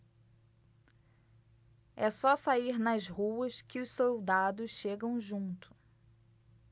é só sair nas ruas que os soldados chegam junto